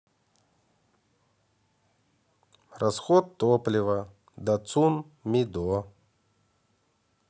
расход топлива дацун мидо